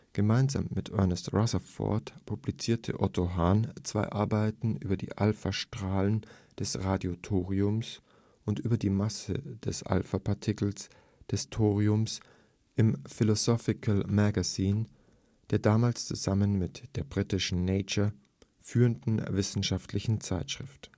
Gemeinsam mit Ernest Rutherford publizierte Otto Hahn zwei Arbeiten über die Alphastrahlen des Radiothoriums und über die Masse der Alphapartikel des Thoriums im Philosophical Magazine, der damals – zusammen mit der britischen Nature – führenden wissenschaftlichen Zeitschrift